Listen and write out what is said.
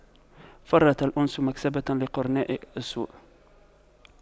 فرط الأنس مكسبة لقرناء السوء